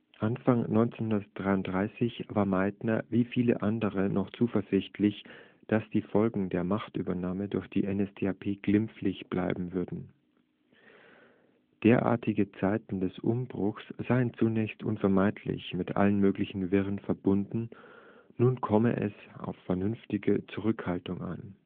Anfang 1933 war Meitner wie viele andere noch zuversichtlich, dass die Folgen der Machtübernahme durch die NSDAP glimpflich bleiben würden. Derartige Zeiten des Umbruchs seien zunächst unvermeidlich mit allen möglichen Wirren verbunden, nun komme es auf vernünftige Zurückhaltung an